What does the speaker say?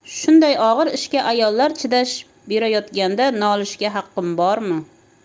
shunday og'ir ishga ayollar chidash berayotganda nolishga haqqim bormi